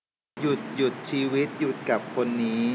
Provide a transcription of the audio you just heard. หยุดหยุดชีวิตหยุดกับคนนี้